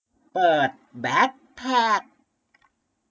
เปิดแบคแพ็ค